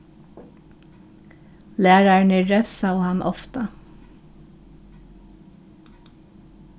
lærararnir revsaðu hann ofta